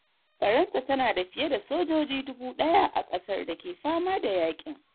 Faransa tana da fiye da sojoji 1,000 a kasar da ke fama da yakin.